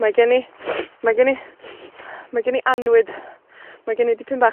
Mae gen i, mae gen i, mae gen i annwyd. Mae gen i dipyn bach